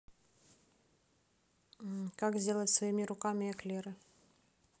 как сделать своими руками эклеры